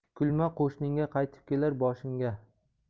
kulma qo'shningga qaytib kelar boshingga